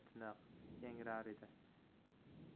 tiniq yangrar edi